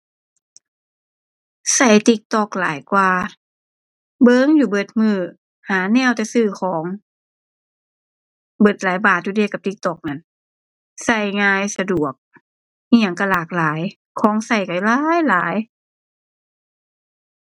ใช้ TikTok หลายกว่า เบิ่งอยู่เบิดมื้อหาแนวแต่ซื้อของ เบิดหลายบาทอยู่เดะกับ TikTok นั่น ใช้ง่ายสะดวก อิหยังใช้หลากหลาย ของใช้ใช้หลายหลาย